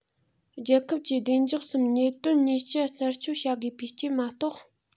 རྒྱལ ཁབ ཀྱི བདེ འཇགས སམ ཉེས དོན གྱི ཉེས སྤྱོད རྩད གཅོད བྱ དགོས པའི རྐྱེན མ གཏོགས